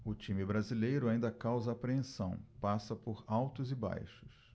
o time brasileiro ainda causa apreensão passa por altos e baixos